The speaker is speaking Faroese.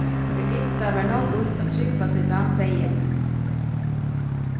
bergitta var nóg býtt at trúgva tí dan segði henni